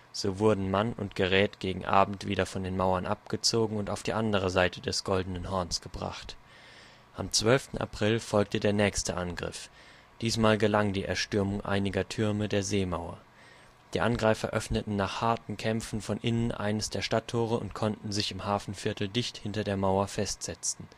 so wurden Mann und Gerät gegen Abend wieder von den Mauern abgezogen und auf die andere Seite des Goldenen Horns gebracht. Am 12. April folgte der nächste Angriff. Diesmal gelang die Erstürmung einiger Türme der Seemauer. Die Angreifer öffneten nach harten Kämpfen von innen eines der Stadttore und konnten sich im Hafenviertel dicht hinter der Mauer festsetzen